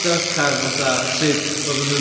Styc ar fatha sut oedden nhw'n...